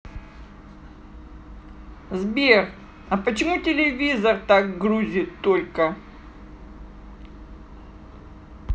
сбер а почему телевизор так грузит только